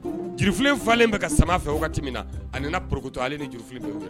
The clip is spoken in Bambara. Jurufilen falen bɛka sama a fɛ wagati min na , a nana prokoto , ale ni jurufilen bɛ bina.